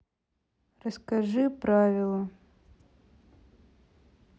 расскажи правила